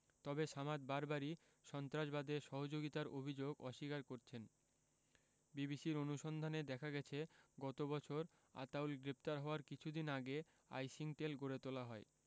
তবে সামাদ বারবারই সন্ত্রাসবাদে সহযোগিতার অভিযোগ অস্বীকার করছেন বিবিসির অনুসন্ধানে দেখা গেছে গত বছর আতাউল গ্রেপ্তার হওয়ার কিছুদিন আগে আইসিংকটেল গড়ে তোলা হয়